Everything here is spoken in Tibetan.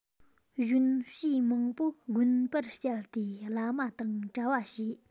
གཞོན བྱིས མང པོ དགོན པར བསྐྱལ ཏེ བླ མ དང གྲྭ བ བྱས